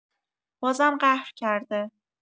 بازم قهر کرده.